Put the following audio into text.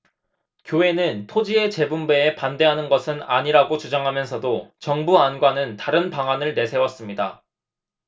교회는 토지의 재분배에 반대하는 것은 아니라고 주장하면서도 정부 안과는 다른 방안을 내세웠습니다